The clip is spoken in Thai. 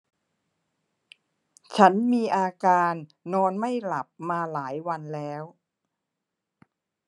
ฉันมีอาการนอนไม่หลับมาหลายวันแล้ว